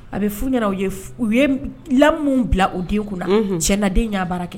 A bɛ f ɲɛna u ye u ye lammu bila o den kunna na cɛ naden' baara kɛ